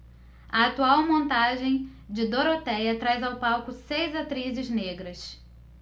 a atual montagem de dorotéia traz ao palco seis atrizes negras